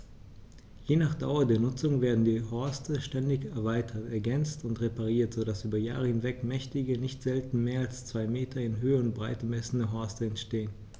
Je nach Dauer der Nutzung werden die Horste ständig erweitert, ergänzt und repariert, so dass über Jahre hinweg mächtige, nicht selten mehr als zwei Meter in Höhe und Breite messende Horste entstehen.